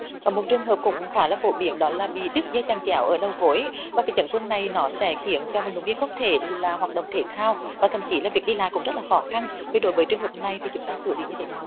một trường hợp cũng khá là phổ biến đó là bị đứt dây chằng chéo ở đầu gối và cái chấn thương này nó sẽ khiến cho vận động viên không thể là hoạt động thể thao và thậm chí là việc đi lại cũng rất là khó khăn vậy đối với trường hợp này thì chúng ta xử lý như thế nào ạ